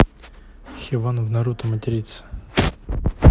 хидан в наруто материться